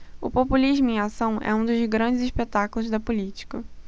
o populismo em ação é um dos grandes espetáculos da política